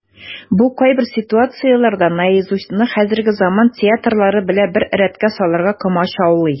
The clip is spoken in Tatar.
Бу кайбер ситуацияләрдә "Наизусть"ны хәзерге заман театрылары белән бер рәткә салырга комачаулый.